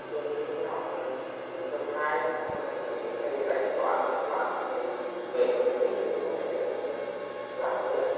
từ khi mà tôi học cấp hai thì là nếu như thầy dạy toán dạy hóa mà thầy mệt rồi thầy nghỉ thì tôi có thể lên tôi giảng cho lớp